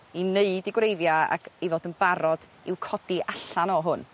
i neud 'u gwreiddia' ac i fod yn barod i'w codi allan o hwn